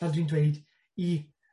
fel dwi'n dweud i